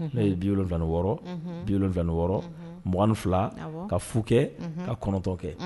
ye 76 unhun 76 unhun 22 awɔ ka 0 kɛɛ unhun ka 9 kɛ